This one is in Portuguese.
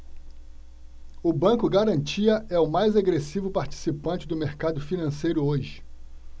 o banco garantia é o mais agressivo participante do mercado financeiro hoje